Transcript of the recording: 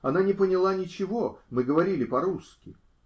Она не поняла ничего: мы говорили по-русски.